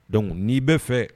Donc n'i bɛ fɛ